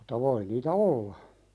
mutta voi niitä olla